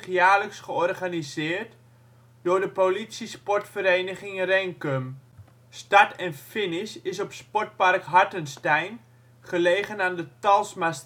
jaarlijks georganiseerd, door de Politie Sport Vereniging Renkum. Start en finish is op sportpark Hartenstein, gelegen aan de Talsmalaan